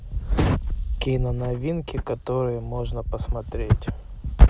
кино новинки которые можно посмотреть